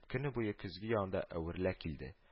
Көне буе көзге янында әвәрә килде